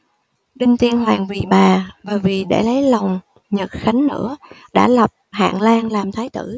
đinh tiên hoàng vì bà và vì để lấy lòng nhật khánh nữa đã lập hạng lang làm thái tử